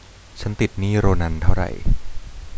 ฉันติดหนี้โรนันเท่าไร